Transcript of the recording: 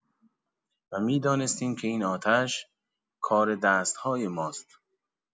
و می‌دانستیم که این آتش، کار دست‌های ماست.